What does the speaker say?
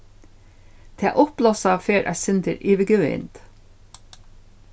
tað uppblásta fer eitt sindur yvir gevind